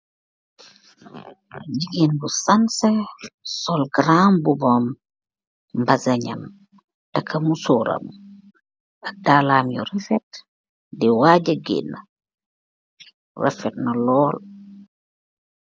Jegeen bu sansex sol granmbubam mbasenjam ak musoram, ak dalam bu rafet di waja genaah rafeet na lool.